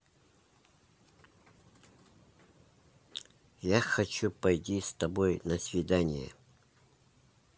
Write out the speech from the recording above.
я хочу пойти с тобой на свидание